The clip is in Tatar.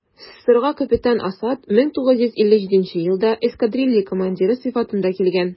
СССРга капитан Асад 1957 елда эскадрилья командиры сыйфатында килгән.